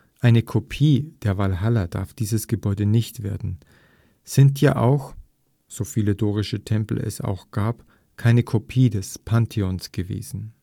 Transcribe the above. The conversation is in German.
eine Kopie der Walhalla darf dieses Gebäude nicht werden, sind ja auch, so viele dorische Tempel es auch gab, keine Kopie des Parthenons gewesen